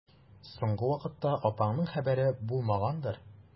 Соңгы вакытта апаңның хәбәре булмагандыр?